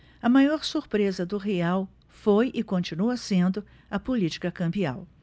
a maior surpresa do real foi e continua sendo a política cambial